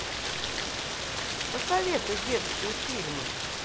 посоветуй детские фильмы